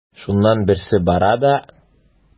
Шуннан берсе бара да:.